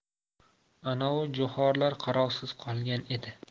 anovi jo'xorilar qarovsiz qolgan edi